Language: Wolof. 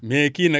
mais kii nag